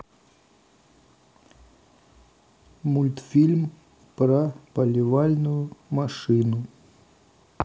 мультфильм про поливальную машину